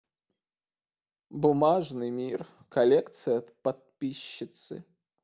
бумажный мир коллекция от подписчицы